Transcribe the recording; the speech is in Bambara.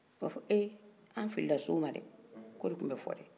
u b'a fɔ eeh an filila so ma dɛ k'o de tun bɛ fɔ dɛ